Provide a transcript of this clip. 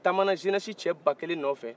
u taama na zenɛsi cɛ ba kelen nɔ fɛ